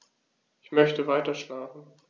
Ich möchte weiterschlafen.